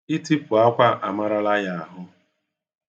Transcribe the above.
Itipu akwa amaarala ya ahụ